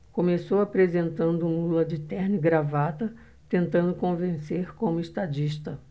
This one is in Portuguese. começou apresentando um lula de terno e gravata tentando convencer como estadista